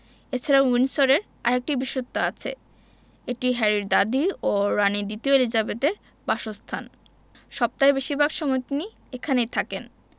এ ছাড়া উইন্ডসরের আরেকটি বিশেষত্ব আছে এটি হ্যারির দাদি ও রানি দ্বিতীয় এলিজাবেথের বাসস্থান সপ্তাহের বেশির ভাগ সময় তিনি এখানেই থাকেন